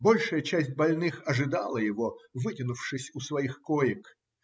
Большая часть больных ожидала его, вытянувшись у своих коек.